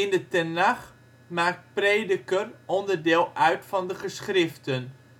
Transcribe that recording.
de Tenach maakt Prediker onderdeel uit van de Geschriften